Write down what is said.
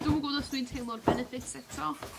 Dw'm yn gwbo os dwi'n teimlo'r benefits eto.